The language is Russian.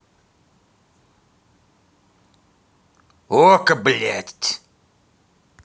okko блять